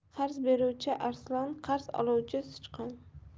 qarz beruvchi arslon qarz oluvchi sichqon